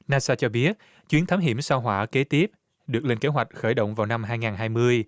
na sa cho biết chuyến thám hiểm sao hỏa kế tiếp được lên kế hoạch khởi động vào năm hai ngàn hai mươi